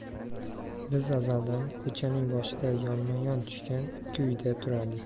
biz azaldan ko'chaning boshidagi yonma yon tushgan ikki uyda turardik